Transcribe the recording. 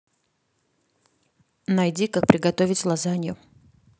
найди как приготовить лазанью